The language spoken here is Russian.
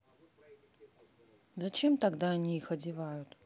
зачем тогда они их одевают